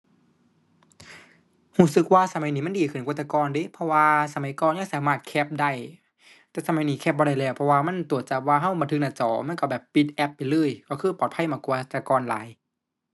รู้สึกว่าสมัยนี้มันดีขึ้นกว่าแต่ก่อนเดะ เพราะว่าสมัยก่อนยังสามารถแคปได้ แต่สมัยนี้แคปบ่ได้แล้วเพราะว่ามันตรวจจับว่ารู้บันทึกหน้าจอ มันรู้แบบปิดแอปไปเลย รู้คือปลอดภัยมากกว่าแต่ก่อนหลาย